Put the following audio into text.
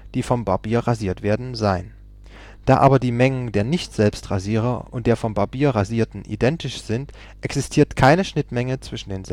Da aber die Mengen der Nicht-Selbstrasierer und der vom Barbier rasierten identisch sind, existiert keine Schnittmenge zwischen den Selbstrasierern